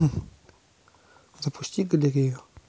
запусти галерею